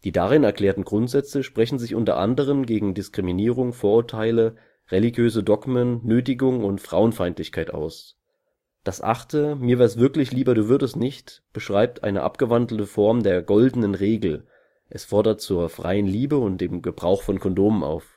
darin erklärten Grundsätze sprechen sich unter anderem gegen Diskriminierung, Vorurteile, religiöse Dogmen, Nötigung und Frauenfeindlichkeit aus. Das achte „ Mir wär’ s wirklich lieber Du würdest nicht… “beschreibt eine abgewandelte Form der Goldenen Regel, es fordert zur Freien Liebe und dem Gebrauch von Kondomen auf